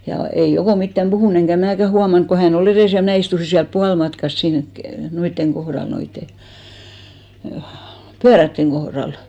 ja ei Oko mitään puhunut enkä minäkään huomannut kun hän oli edessä ja minä istuin siellä puolimatkassa siinä - noiden kohdalla noiden pyörien kohdalla